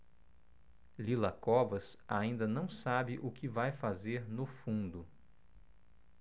lila covas ainda não sabe o que vai fazer no fundo